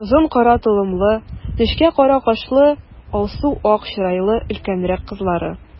Озын кара толымлы, нечкә кара кашлы, алсу-ак чырайлы өлкәнрәк кызлары.